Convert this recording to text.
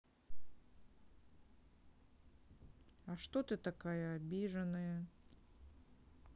а что ты такая обиженная